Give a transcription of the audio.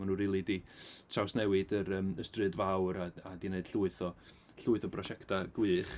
Maen nhw rili 'di trawsnewid yr yym y stryd fawr a a 'di wneud llwyth o llwyth o brosiectau gwych.